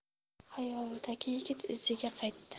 xayolidagi yigit iziga qaytdi